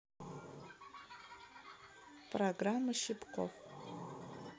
программа щипков